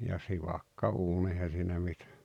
ja sivakka uuni eihän siinä mitään